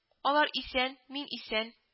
Алар исән, мин исән